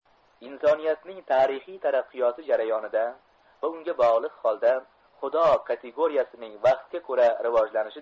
insoniyatning tarixiy taraqqiyoti jarayonida va unga bogliq holda xudo kategoriyasining vaqtga ko'ra rivojlanishi